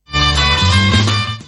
San